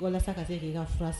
I bɔra sa ka k' ka